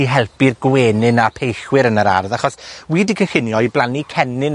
I helpu'r gwenyn a peillwyr yn yr ardd, achos wi 'di cynllunio i blannu cennin